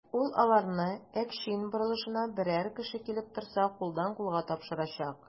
Ул аларны Әкчин борылышына берәр кеше килеп торса, кулдан-кулга тапшырачак.